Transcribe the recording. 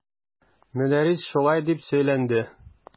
Мөдәррис шулай дип сөйләнде.